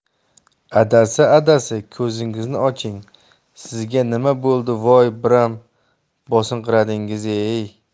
adasi adasi ko'zingizni oching sizga nima bo'ldi voy biram bosinqiradingiz ey